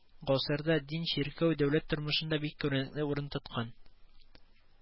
Гасырда дин чиркәү дәүләт тормышында бик күренекле урын тоткан